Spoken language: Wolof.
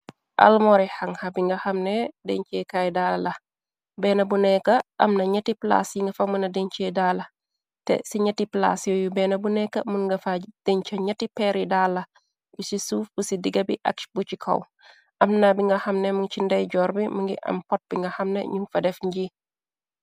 Almory hanha bi nga xamne deñcikaay daa la. Benn bu nekka amna ñetti plaas yi nga fa mëna diñci daala. Te ci ñetti plaas yu yu benn bu nekk mën nga fa diñ ca ñetti peeri daala yu ci suuf bu ci diga bi ak bu ci kaw amna bi nga xamne mën ci ndey joor bi mëngi am pot bi nga xamne ñum fa def njii.